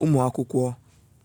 ụmụ̀akwụkwọ